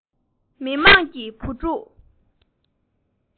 མི དམངས ཀྱི བུ ཕྲུག